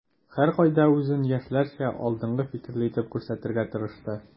Һәркайда үзен яшьләрчә, алдынгы фикерле итеп күрсәтергә тырышты.